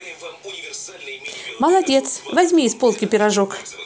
молодец возьми из полки пирожок